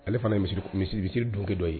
Ale fana ye misisiri dugu dɔ ye